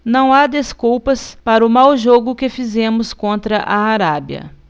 não há desculpas para o mau jogo que fizemos contra a arábia